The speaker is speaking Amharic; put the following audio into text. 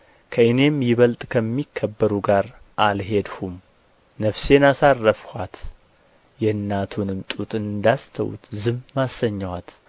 ከእኔም ይበልጥ ከሚከበሩ ጋር አልሄድሁም ነፍሴን አሳረፍኋት የእናቱንም ጡት እንዳስተውት ዝም አሰኘኋት